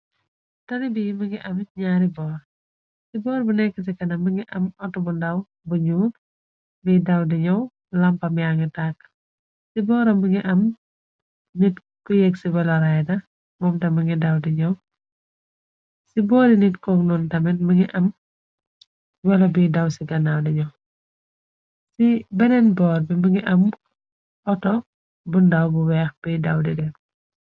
Tali bii mi ngi amit ñaari boor, ci boor bi nekk ci kana mbi ngi am auto bu ndaw bu ñuul biy daw di ñyëw lampam yaangi tàkk. Ci booram bi ngi am nit ku yég ci welo raay na moomta mingi daw i ñyëw , ci boori nit ko noon tamit mi ngi am welo bi daw ci ganaw di ñyew , ci beneen boor bi mi ngi am auto bu ndaw bu weex biy daw di dem.